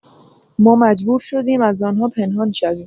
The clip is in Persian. ما مجبور شدیم از آن‌ها پنهان شویم.